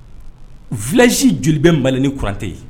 Village joli be Mali la ni courant te ye